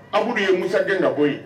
Abudu ye Musa gɛn ka bɔ yen!